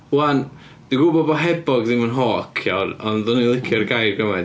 'Wan, dwi'n gwbo' bod hebog ddim yn hawk, iawn ond dwi'n licio'r gair gymaint...